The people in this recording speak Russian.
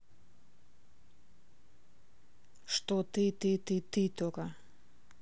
что ты ты ты ты тока